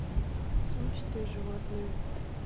сумчатые животные